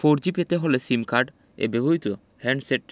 four G পেতে হলে sim card এ ব্যবহৃত হ্যান্ডসেট